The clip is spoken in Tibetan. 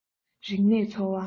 རིག གནས འཚོ བ